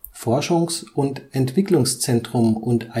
Forschungs - und Entwicklungszentrum und